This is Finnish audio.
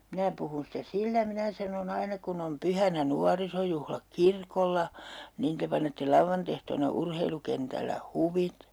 minä puhun sitä sillä minä sanoin aina kun on pyhänä nuorisojuhlat kirkolla niin te panette lauantaiehtoona urheilukentällä huvit